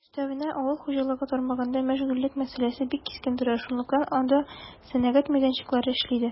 Өстәвенә, авыл хуҗалыгы тармагында мәшгульлек мәсьәләсе бик кискен тора, шунлыктан анда сәнәгать мәйданчыклары эшли дә.